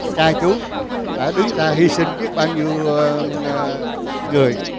cha chú đã đứng ra hy sinh biết bao nhiêu ờ người